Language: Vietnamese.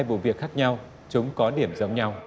vụ việc khác nhau chúng có điểm giống nhau